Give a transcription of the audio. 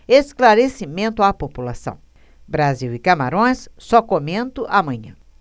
esclarecimento à população brasil e camarões só comento amanhã